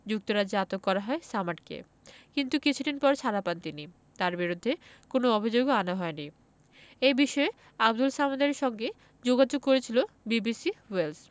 যুক্তরাজ্যে আটক করা হয় সামাদকে কিন্তু কিছুদিন পর ছাড়া পান তিনি তাঁর বিরুদ্ধে কোনো অভিযোগও আনা হয়নি এ বিষয়ে আবদুল সামাদের সঙ্গে যোগাযোগ করেছিল বিবিসি ওয়েলস